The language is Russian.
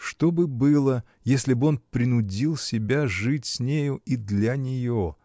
Что бы было, если б он принудил себя жить с нею и для нее?